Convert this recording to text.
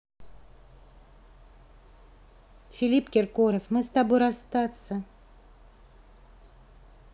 филипп киркоров мы с тобой расстаться